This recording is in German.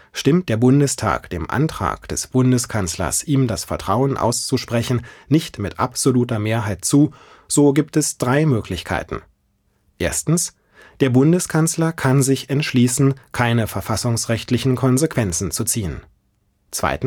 Stimmt der Bundestag dem Antrag des Bundeskanzlers, ihm das Vertrauen auszusprechen, nicht mit absoluter Mehrheit zu, so gibt es drei Möglichkeiten: Der Bundeskanzler kann sich entschließen, keine verfassungsrechtlichen Konsequenzen zu ziehen. Der